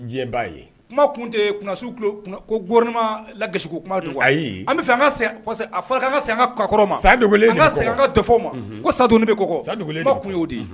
Jɛ' ye kuma kunsiw ko grinma lasiku kuma a ye an bɛ a fara ka sanka kakɔrɔ ma san an kafɔ ma ko sadu bɛ kɔ sa tun y'o di ye